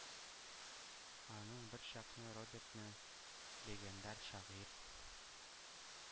Аның берчакны Робертны легендар шагыйрь